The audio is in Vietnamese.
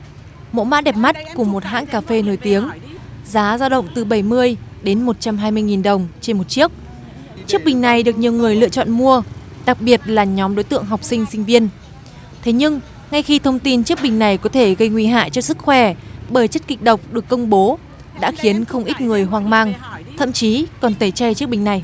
mẫu mã đẹp mắt của một hãng cà phê nổi tiếng giá dao động từ bảy mươi đến một trăm hai mươi nghìn đồng trên một chiếc chiếc bình này được nhiều người lựa chọn mua đặc biệt là nhóm đối tượng học sinh sinh viên thế nhưng ngay khi thông tin chiếc bình này có thể gây nguy hại cho sức khỏe bởi chất kịch độc được công bố đã khiến không ít người hoang mang thậm chí còn tẩy chay chiếc bình này